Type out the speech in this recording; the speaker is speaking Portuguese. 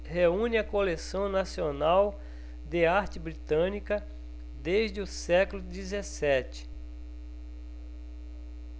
reúne a coleção nacional de arte britânica desde o século dezessete